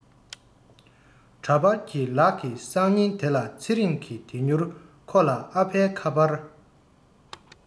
འདྲ པར གྱི ལག གི སང ཉིན དེ ལ ཚེ རིང གི དེ མྱུར ཁོ ལ ཨ ཕའི ཁ པར